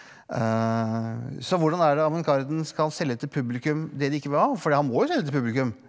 så hvordan er det avantgarden skal selge til publikum det de ikke vil ha for det han må jo selge til publikum.